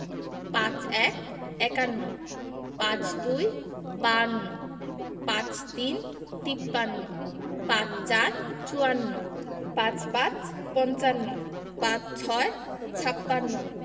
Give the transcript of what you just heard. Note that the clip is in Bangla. ৫১ – একান্ন ৫২ - বাহান্ন ৫৩ - তিপ্পান্ন ৫৪ - চুয়ান্ন ৫৫ – পঞ্চান্ন ৫৬ – ছাপ্পান্ন